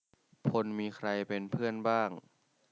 พลมีใครเป็นเพื่อนบ้าง